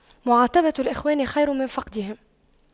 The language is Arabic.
معاتبة الإخوان خير من فقدهم